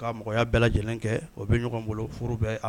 Ka mɔgɔya bɛɛ lajɛlen kɛ o bɛ ɲɔgɔn bolo furu bɛɛ